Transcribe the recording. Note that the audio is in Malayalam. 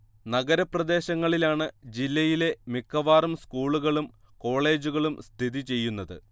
നഗരപ്രദേശങ്ങളിലാണ് ജില്ലയിലെ മിക്കവാറും സ്കൂളുകളും കോളേജുകളും സ്ഥിതി ചെയ്യുന്നത്